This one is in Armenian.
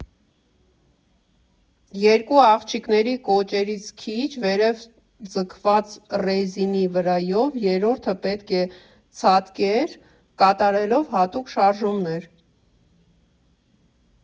Երկու աղջիկների կոճերից քիչ վերև ձգված ռեզինի վրայով երրորդը պետք է ցատկեր՝ կատարելով հատուկ շարժումներ։